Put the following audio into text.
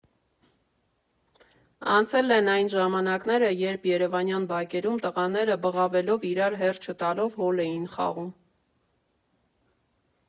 Անցել են այն ժամանակները, երբ երևանյան բակերում տղաները բղավելով, իրար հերթ չտալով հոլ էին խաղում։